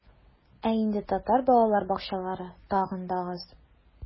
Ә инде татар балалар бакчалары тагын да аз.